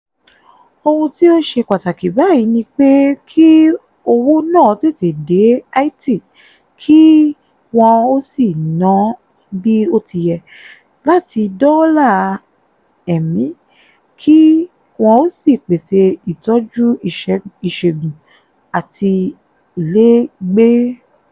Ohun tí ó ṣe pàtàkì báyìí ni pé kí owó náà tètè de Haiti kí wọn ó sì na bí ó ti yẹ láti dóòlà ẹ̀mí, kí wọ́n ó sì pèsè ìtọ́jú ìṣègùn àti ilégbèé.